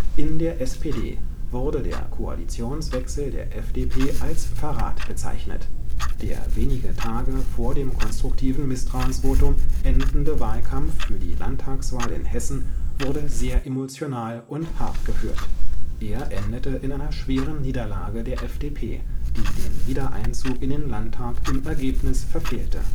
In der SPD wurde der Koalitionswechsel der FDP als „ Verrat “bezeichnet; der wenige Tage vor dem konstruktiven Misstrauensvotum endende Wahlkampf für die Landtagswahl in Hessen wurde sehr emotional und hart geführt: Er endete in einer schweren Niederlage der FDP, die den Wiedereinzug in den Landtag im Ergebnis verfehlte